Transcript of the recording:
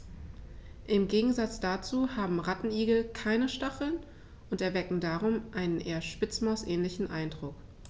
Im Gegensatz dazu haben Rattenigel keine Stacheln und erwecken darum einen eher Spitzmaus-ähnlichen Eindruck.